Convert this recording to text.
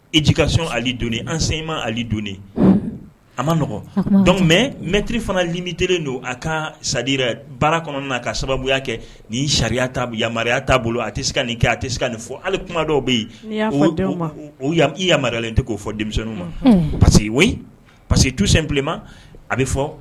I ji ka sun ali don an sen ma ali donni a maɔgɔn dɔnkuc mɛ mɛtiriri fana liinitirilen don a ka sajira baara kɔnɔ a ka sababuya kɛ ni sariya yamaruyaya t'a bolo a tɛ se ka nin kɛ a te se ka nin fɔ hali kuma dɔw bɛ yen fɔ ma o i yamalen tɛ k'o fɔ denmisɛn ma parce que we pa que tusen bilen ma a bɛ fɔ